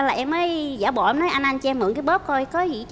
em mới giả bộ em nói anh anh cho em mượn cái bóp coi có gì